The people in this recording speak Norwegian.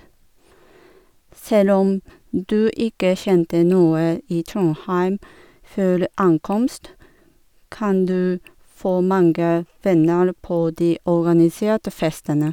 Selv om du ikke kjente noe i Trondheim før ankomst, kan du få mange venner på de organiserte festene.